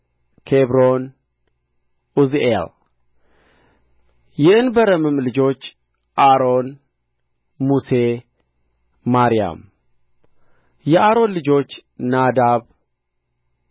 ኬብሮን ዑዝኤል የእንበረምም ልጆች አሮን ሙሴ ማርያም የአሮን ልጆች ናዳብ